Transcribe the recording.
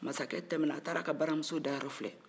mansakɛ tɛmɛna a taara a ka baramuso da yɔrɔ filɛ